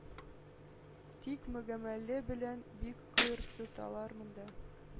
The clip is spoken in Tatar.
Тик мөгамәлә белән бик кыерсыталар монда.